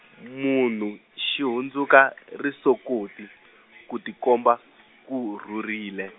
munhu, xi hundzuka risokoti, ku tikomba, ku rhurile.